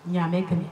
Ɲaaamɛ kɛmɛ